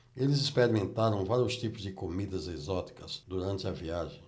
eles experimentaram vários tipos de comidas exóticas durante a viagem